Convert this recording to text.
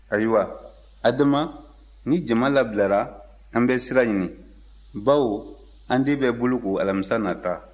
ayiwa adama ni jama labilara an bɛ sira ɲini bawo an den bɛ boloko alamisa nata